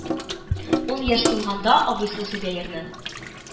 Ун яшь тулганда абыйсы Зөбәернең